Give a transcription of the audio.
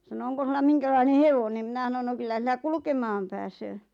sanoi onko sinulla minkälainen hevonen minä sanoin no kyllä sillä kulkemaan pääsee